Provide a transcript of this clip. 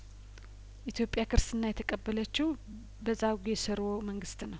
ኢትዮጵያክርስትና የተቀበለችው በዛ ጔ ስርወ መንግስት ነው